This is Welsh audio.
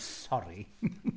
Sori .